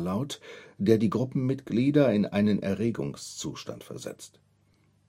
Laut, der die Gruppenmitglieder in einen Erregungszustand versetzt.